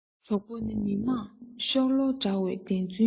གྲོགས པོ ནི མི དམངས ཤོག ལོར འདྲ བར བདེན རྫུན ཡོད